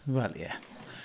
Wel ie.